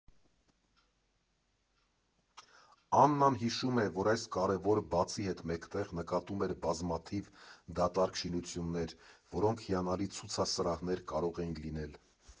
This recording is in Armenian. Աննան հիշում է, որ այս կարևոր բացի հետ մեկտեղ նկատում էր բազմաթիվ դատարկ շինություններ, որոնք հիանալի ցուցասրահներ կարող էին լինել։